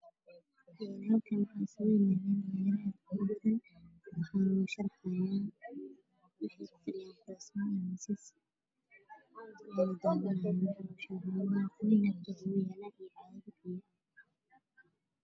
Waxaa iskuul waxaa fadhiya niman aad u waawayn nin ayaa hortaagan oo cashar siinaayo cadaan